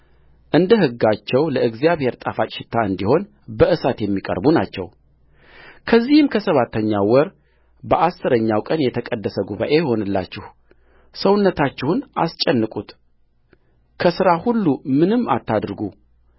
እንደ ሕጋቸው ለእግዚአብሔር ጣፋጭ ሽታ እንዲሆን በእሳት የሚቀርቡ ናቸውከዚህም ከሰባተኛው ወር በአሥረኛው ቀን የተቀደሰ ጉባኤ ይሁንላችሁ ሰውነታችሁን አስጨንቁት ከሥራ ሁሉ ምንም አታድርጉ